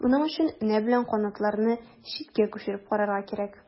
Моның өчен энә белән канатларны читкә күчереп карарга кирәк.